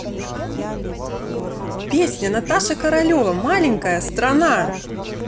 песня наташа королева маленькая страна